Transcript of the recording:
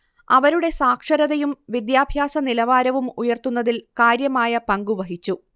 അവരുടെ സാക്ഷരതയും വിദ്യാഭ്യാസനിലവാരവും ഉയർത്തുന്നതിൽ കാര്യമായ പങ്കു വഹിച്ചു